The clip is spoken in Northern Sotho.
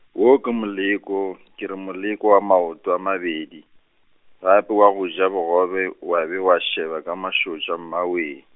wo ke moleko, ke re moleko wa maoto a mabedi, gape wa go ja bogobe, wa be wa šeba ka mašotša, mmawee.